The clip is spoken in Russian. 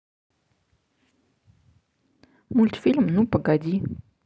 мультфильм ну погоди